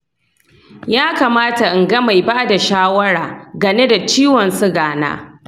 yakamata in ga mai bada shawara gane da ciwon siga na?